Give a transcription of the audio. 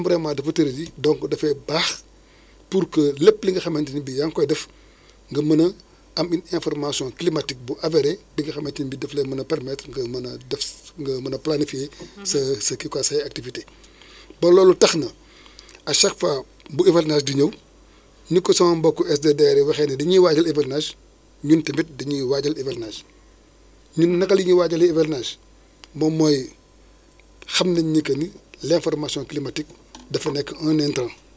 waaw léegi nag loolu dèjà kon loolu ab constat la bu nga xam ne ñëpp gis nañu ko gisal nañu ko suñu bët léegi foofu béykat yi en général parce que jafe-jafe bu am il faut mu ama stratégie waaw souvent en général changement climatique bi bu tombeeg année de sécheresse mooy année boo xam ne kii bi maanaam ndox bi du am wala boog day wàññeeku wala du wala day nekk genre i kii daal jafe-jafe